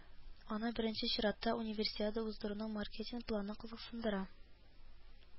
Аны беренче чиратта Универсиада уздыруның маркетинг планы кызыксындыра